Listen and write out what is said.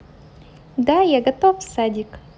да я готов садик